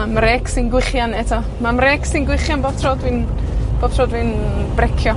Ma'm mrêcs i'n gwichian eto, ma'm mrêcs yn gwychian bob tro dwi'n, pob tro dwi'n brecio.